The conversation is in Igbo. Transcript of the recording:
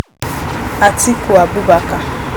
Atiku Abubakar